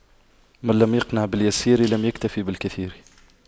من لم يقنع باليسير لم يكتف بالكثير